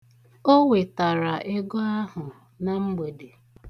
O wetara ego ahụ na mgbede.